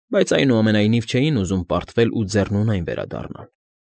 Բայց, այնուամենայնիվ, չէին ուզում պարտվել ու ձեռնունայն վերադառնալ։